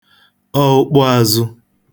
ọụkpụāzụ̄